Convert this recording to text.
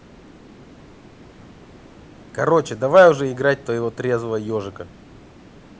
короче давай уже играть в твоего трезвого ежика